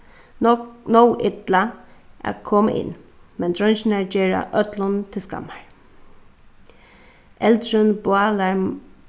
nóg illa at koma inn men dreingirnar gera øllum til skammar eldurin bálar